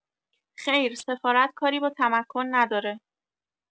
خیر سفارت کاری با تمکن نداره.